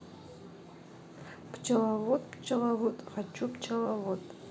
пчеловод пчеловод хочу пчеловод